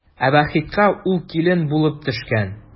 Ә Вахитка ул килен булып төшкән.